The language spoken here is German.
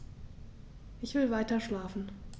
Ich will weiterschlafen.